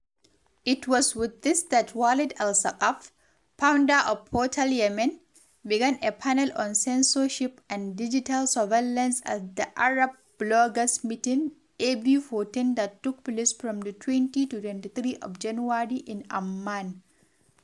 It was with this that Walid Al-Saqaf, founder of Portal Yemen, began a panel on censorship and digital surveillance at the Arab Bloggers Meeting #AB14 that took place from the 20-23 of January in Amman.